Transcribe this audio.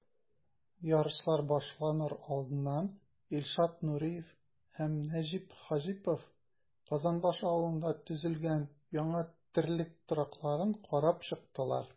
Ярышлар башланыр алдыннан Илшат Нуриев һәм Нәҗип Хаҗипов Казанбаш авылында төзелгән яңа терлек торакларын карап чыктылар.